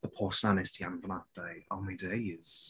Y post 'na wnest ti anfon ata i oh my days!